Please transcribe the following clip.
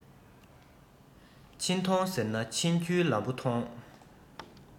ཕྱིན གཏོང ཟེར ན ཕྱིན རྒྱུའི ལམ བུ ཐོང